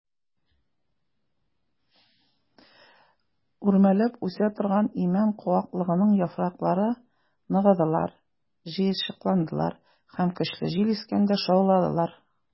Үрмәләп үсә торган имән куаклыгының яфраклары ныгыдылар, җыерчыкландылар һәм көчле җил искәндә шауладылар.